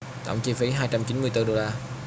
tổng chi phí hai trăm chín mươi tư đô la